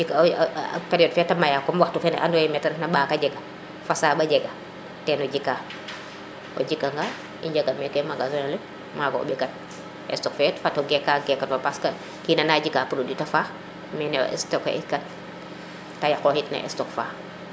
o wey comme periode fe te maya comme waxtu feke ando naye mete ref na ɓaka jega fasaɓa jega teno jika o jika nga i njega meke mangazin leŋ maga o mbekan stock fe it fata geka gekan parce que kina na jika produit te faax mais ne stock ikan te yaqo xit no stock fa